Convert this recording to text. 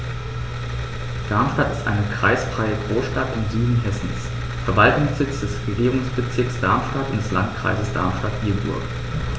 Darmstadt ist eine kreisfreie Großstadt im Süden Hessens, Verwaltungssitz des Regierungsbezirks Darmstadt und des Landkreises Darmstadt-Dieburg.